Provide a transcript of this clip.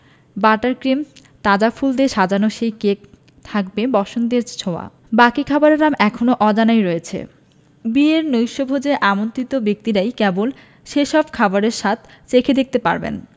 butter cream ও তাজা ফুল দিয়ে সাজানো সেই কেকে থাকবে বসন্তের ছোঁয়া বাকি খাবারের নাম এখনো অজানাই রয়েছে বিয়ের নৈশভোজে আমন্ত্রিত ব্যক্তিরাই কেবল সেসব খাবারের স্বাদ চেখে দেখতে পারবেন